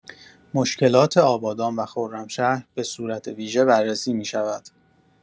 مشکلات آبادان و خرمشهر به صورت ویژه بررسی می‌شود.